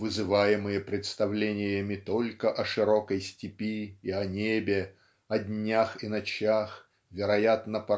вызываемые представлениями только о широкой степи и небе о днях и ночах вероятно